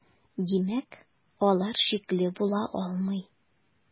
Димәк, алар шикле була алмый.